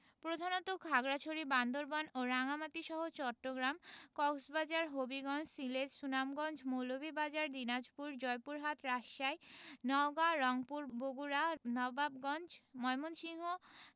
প্রধানত খাগড়াছড়ি বান্দরবান ও রাঙ্গামাটিসহ চট্টগ্রাম কক্সবাজার হবিগঞ্জ সিলেট সুনামগঞ্জ মৌলভীবাজার দিনাজপুর জয়পুরহাট রাজশাহী নওগাঁ রংপুর বগুড়া নবাবগঞ্জ ময়মনসিংহ